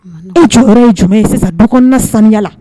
E jɔyɔrɔ ye jumɛn ye sisan dukɔnɔna saniya la